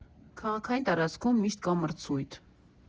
Քաղաքային տարածքում միշտ կա մրցույթ։